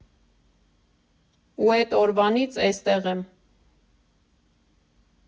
Ու էտ օրվանից էստեղ եմ։